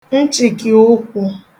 nchị̀kị̀ụkwụ̄